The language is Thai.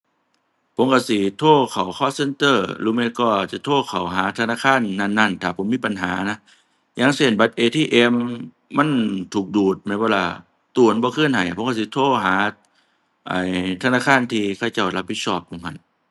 ผมก็สิโทรเข้า call center หรือไม่ก็จะโทรเข้าหาธนาคารนั้นนั้น ถ้าผมมีปัญหานะ อย่างเช่น บัตร ATM มันถูกดูดแม่นบ่ล่ะ ตู้มันบ่คืนให้ ผมก็สิโทรหา ไอ้ ธนาคารที่เขาเจ้ารับผิดชอบหม้องหั้น